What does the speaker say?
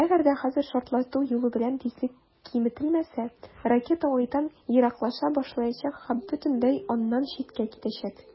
Әгәр дә хәзер шартлату юлы белән тизлек киметелмәсә, ракета Айдан ераклаша башлаячак һәм бөтенләй аннан читкә китәчәк.